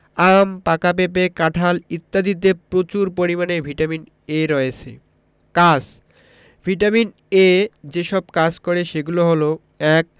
আম পাকা পেঁপে কাঁঠাল ইত্যাদিতে প্রচুর পরিমানে ভিটামিন এ রয়েছে কাজ ভিটামিন এ যেসব কাজ করে সেগুলো হলো ১.